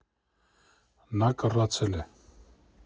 Նա կռացել է։